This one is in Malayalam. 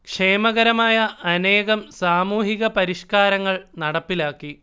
ക്ഷേമകരമായ അനേകം സാമൂഹിക പരിഷ്കാരങ്ങൾ നടപ്പിലാക്കി